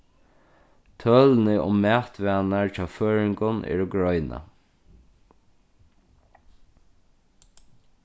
tølini um matvanar hjá føroyingum eru greinað